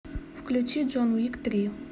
включи джон уик три